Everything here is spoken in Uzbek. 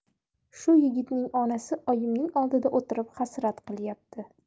shu yigitning onasi oyimning oldida o'tirib hasrat qilyapti